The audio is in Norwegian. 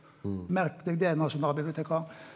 merk deg det nasjonalbibliotekar!